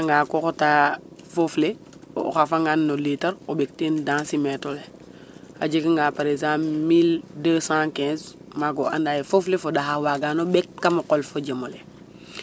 O garanga ko xotaa foof le o xafangan no litar o ɓek teen densimétre lo a jeganga par exemple 1215 maaga o anda yee foof le foɗaxa waaga no ɓek kam o qol fo jem ole.